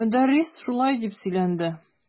Мөдәррис шулай дип сөйләнде.